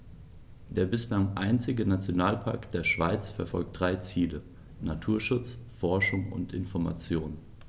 Der bislang einzige Nationalpark der Schweiz verfolgt drei Ziele: Naturschutz, Forschung und Information.